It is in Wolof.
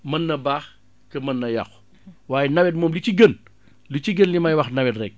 mën na baax te mën na yàqu waaye nawet moom li ci gën li ci gën li may wax nawet rekk